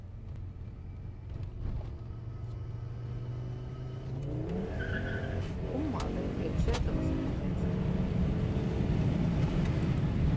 ummálið er tretivu sentimetrar